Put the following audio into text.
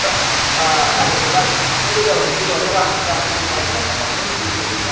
ờ cảm ơn khánh vân ngay bây giờ thì xin mời các bạn chúng ta sẽ cùng quay trở lại trang phan pết đi để chúng ta